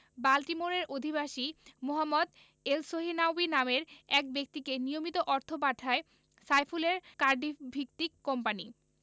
বাল্টিমোরের অধিবাসী Mohamed Elshinawy নামের এক ব্যক্তিকে নিয়মিত অর্থ পাঠায় সাইফুলের কার্ডিফভিত্তিক কোম্পানি